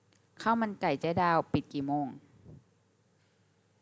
ข้าวมันไก่เจ๊ดาวปิดกี่โมง